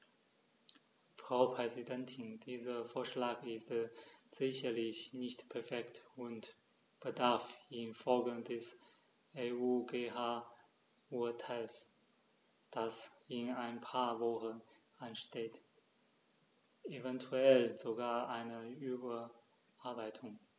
Frau Präsidentin, dieser Vorschlag ist sicherlich nicht perfekt und bedarf in Folge des EuGH-Urteils, das in ein paar Wochen ansteht, eventuell sogar einer Überarbeitung.